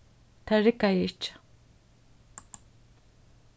tað riggaði ikki